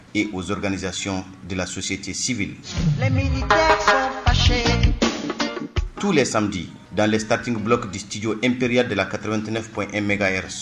Et aux organisations de la société civile. . Tous les Samedis dans les starting blocks du studio impérial de la 89.M méga r